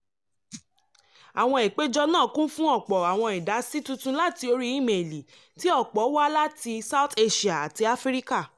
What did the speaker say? Àwọn ìpèjọ náà kún fún ọ̀pọ̀ àwọn ìdásí tuntun láti orí ímeèlì, tí ọ̀pọ̀ wá láti South Asia àti Africa.